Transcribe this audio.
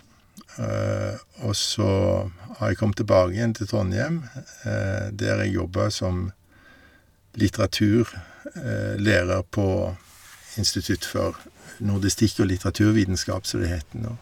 Og så har jeg kommet tilbake igjen til Trondhjem, der jeg jobba som litteraturlærer på Institutt for nordistikk og litteraturvitenskap, som det heter nå.